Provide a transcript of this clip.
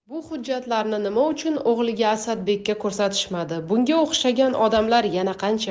bu hujjatlarni nima uchun o'g'liga asadbekka ko'rsatishmadi bunga o'xshagan odamlar yana qancha